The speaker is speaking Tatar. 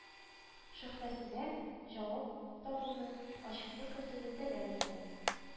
Шөбһәсенә җавап табуны, ачыклык кертүне таләп итә